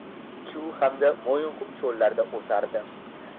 chu hamda mo'yinqum cho'llarida o'sardi